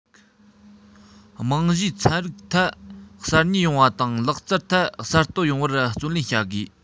རྨང གཞིའི ཚན རིག ཐད གསར རྙེད ཡོང བ དང ལག རྩལ ཐད གསར གཏོད ཡོང བར བརྩོན ལེན བྱ དགོས